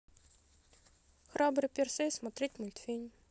храбрый персей смотреть мультфильм